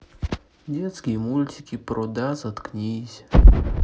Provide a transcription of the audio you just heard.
детские мультики про да заткнись